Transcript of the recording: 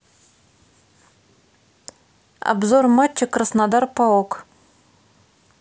обзор матча краснодар паок